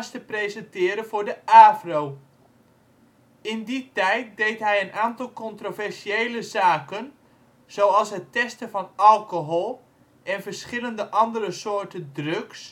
te presenteren voor de AVRO. In die tijd deed hij een aantal controversiële zaken, zoals het testen van alcohol en verschillende andere soorten drugs